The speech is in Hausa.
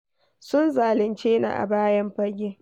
"Sun zalunce ni a bayan fage.